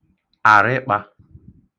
àrịkpā